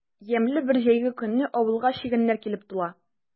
Ямьле бер җәйге көнне авылга чегәннәр килеп тула.